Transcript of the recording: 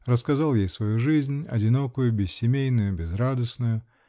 рассказал ей свою жизнь, одинокую, бессемейную, безрадостную